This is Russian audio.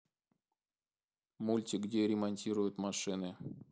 мультик где ремонтируют машины